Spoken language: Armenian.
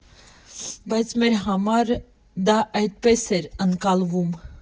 Բայց մեր համար դա էսպես էր ընկալվում.